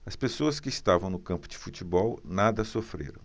as outras pessoas que estavam no campo de futebol nada sofreram